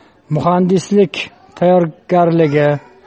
muhandislik tayyorgarligi